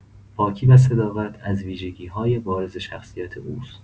پاکی و صداقت از ویژگی‌های بارز شخصیت اوست.